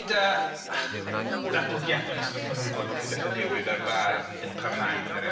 Gyda ddatblygiadau yn ystod y canrifoedd wrth i betha newid a'r bardd yn parhau'n gymeriad o...